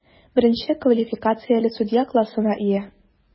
Беренче квалификацияле судья классына ия.